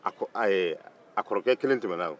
a kɔrɔkɛ kelen tɛmɛna